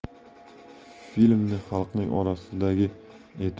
filmni xalqning orasidagi e'tibor qozongan